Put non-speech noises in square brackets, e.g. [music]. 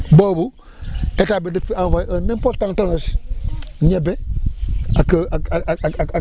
boobu état bi daf fi envoyé un important tranche ñebe [noise] ak ak ak ak ak